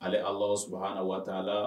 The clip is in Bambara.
Ale Alahu subahana wataala